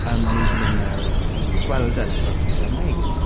yym o'n i 'di mynd mewn i gweld e, jyst i weld sut oedd e'n wneud.